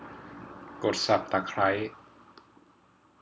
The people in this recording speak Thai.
กดสับตะไคร้